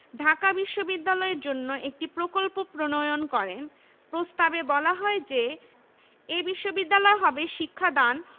পূর্ববাংলার মুসলিম সম্প্রদায় বেশির ভাগই কৃষক এবং বিশ্ববিদ্যালয় প্রতিষ্ঠায় তাদের কোনো উপকার হবে না লর্ড হার্ডিঞ্জ প্রতিনিধিদলকে আশ্বস্ত করেন যে